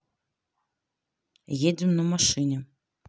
едем на машине